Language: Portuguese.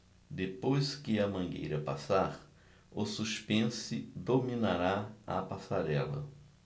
depois que a mangueira passar o suspense dominará a passarela